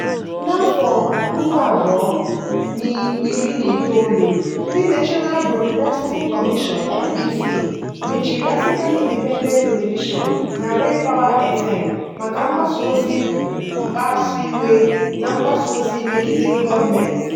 N'afọ 2019, ndị National Broadcasting Commission (NBC) mechiri African Independent Television na RayPower FM maka mgbasa ozi mkpasu iwe na mgbasa ozi megide gọọmentị.